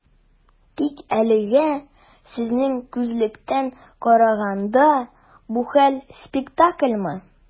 Тик әлегә, сезнең күзлектән караганда, бу хәл - спектакльмы?